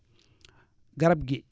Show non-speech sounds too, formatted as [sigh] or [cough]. [smacks lips] garab gi